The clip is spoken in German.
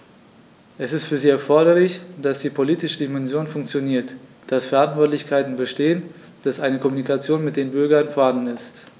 Es ist für sie erforderlich, dass die politische Dimension funktioniert, dass Verantwortlichkeiten bestehen, dass eine Kommunikation mit den Bürgern vorhanden ist.